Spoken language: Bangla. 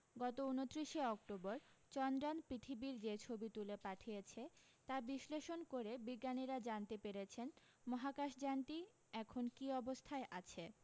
গত উনত্রিশে অক্টোবর চন্দ্র্যান পৃথিবীর যে ছবি তুলে পাঠিয়েছে তা বিস্লেষন করে বিজ্ঞানীরা জানতে পেরেছেন মহাকাশযানটি এখন কী অবস্থায় আছে